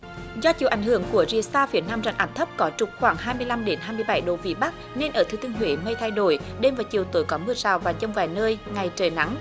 do chịu ảnh hưởng của rìa xa phía nam rãnh áp thấp có trục khoảng hai mươi lăm đến hai mươi bảy độ vĩ bắc nên ở thừa thiên huế mây thay đổi đêm và chiều tối có mưa rào và dông vài nơi ngày trời nắng